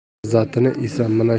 lazzatini esa mana